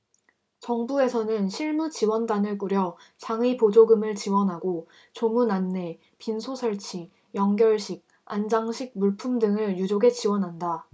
정부에서는 실무지원단을 꾸려 장의보조금을 지원하고 조문 안내 빈소설치 영결식 안장식 물품 등을 유족에 지원한다